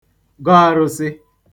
gọ arụ̄sị̄